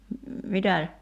mitä